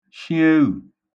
shị eghù